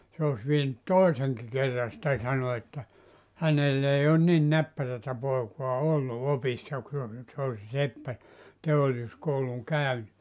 se olisi vienyt toisenkin kerran sitä sanoi että hänellä ei ole niin näppärää poikaa ollut opissa kun se se oli se seppä teollisuuskoulun käynyt